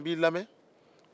n b'i lamɛn